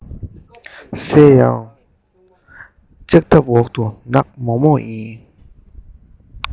གསལ ཡང ལྕགས ཐབ འོག ཏུ ནག མོག མོག ཡིན